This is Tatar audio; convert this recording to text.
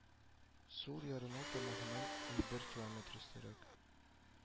Сул ярына тамагыннан унбер километр өстәрәк